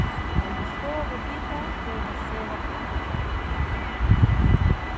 men við stovuhita verður tað sera bleytt